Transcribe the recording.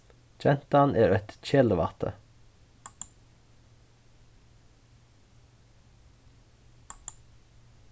gentan er eitt kelivætti